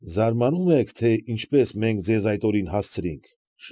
Զարմանում եք, թե ինչպես մենք ձեզ այդ օրին հասցրինք։